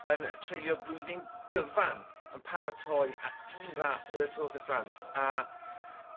yn treulio blwyddyn gyfan yn paratoi at un ras y Tour de France a